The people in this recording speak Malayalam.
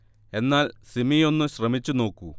എന്നാൽ സിമി ഒന്നു ശ്രമിച്ചു നോക്കൂ